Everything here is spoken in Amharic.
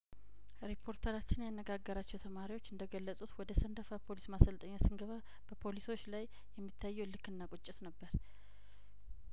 ሪፖርተራችን ያነጋገራቸው ተማሪዎች እንደገለጹት ወደ ሰንዳፋ ፖሊስ ማሰልጠኛ ስንገባ በፖሊሶች ላይየሚ ታየው እልክና ቁጭት ነበር